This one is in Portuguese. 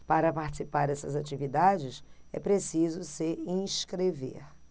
para participar dessas atividades é preciso se inscrever